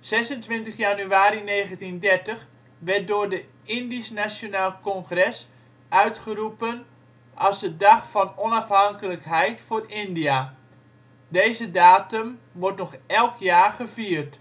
26 januari 1930 werd door de Indisch Nationaal Congres uitgeroepen als de dag van onafhankelijkheid voor India. Deze datum wordt nog elk jaar gevierd